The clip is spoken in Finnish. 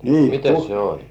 miten se oli